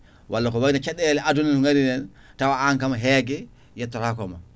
walla ko wayno caɗele aduna ne garani hen tawa an kam heegue yettotakoma